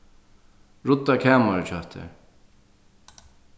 rudda kamarið hjá tær